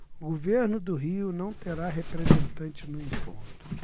o governo do rio não terá representante no encontro